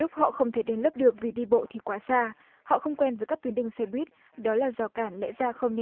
họ không thể đến lớp được vì đi bộ thì quá xa họ không quen với các tuyến đường xe buýt đó là rào cản lẽ ra không